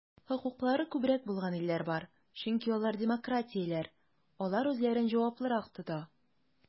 Хокуклары күбрәк булган илләр бар, чөнки алар демократияләр, алар үзләрен җаваплырак тота.